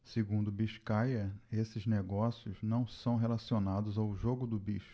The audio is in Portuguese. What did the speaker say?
segundo biscaia esses negócios não são relacionados ao jogo do bicho